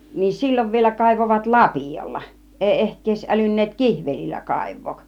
niin silloin vielä kaivoivat lapiolla ei ehkä edes älynneet kihvelillä kaivaa